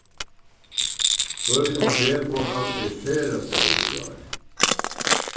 føroyska makrelkvotan er sera stór í ár